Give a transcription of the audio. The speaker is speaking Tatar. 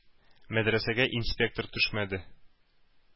Мәдрәсәгә инспектор төшмәде.